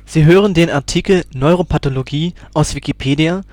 Sie hören den Artikel Neuropathologie, aus Wikipedia